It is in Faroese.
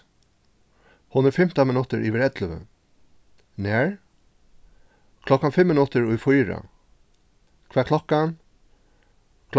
hon er fimtan minuttir yvir ellivu nær klokkan fimm minuttir í fýra hvat klokkan